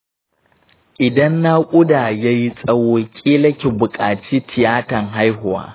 idan naƙuda yayi tsawo ƙila ki buƙaci tiyatan haihuwa